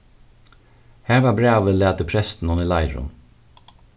har var brævið latið prestinum í leirum